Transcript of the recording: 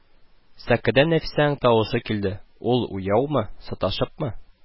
Сәкедән Нәфисәнең тавышы килде, ул уяумы, саташыпмы: